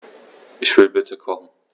Ich will bitte kochen.